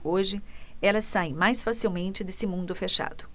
hoje elas saem mais facilmente desse mundo fechado